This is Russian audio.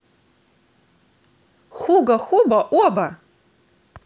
hugo hugo оба